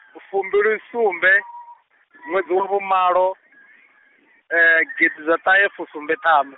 fumbilisumbe, ṅwedzi wa vhu malo, gidiḓaṱahefusumbeṱhanu.